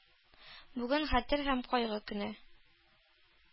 Бүген – Хәтер һәм кайгы көне.